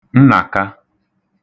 Nnàkā